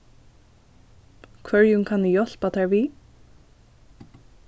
hvørjum kann eg hjálpa tær við